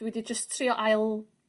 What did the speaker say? dwi 'di jyst trio ail